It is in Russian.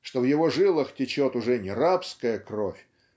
что в его жилах течет уже не рабская кровь